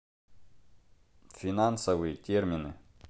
финансовые термины